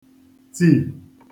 tì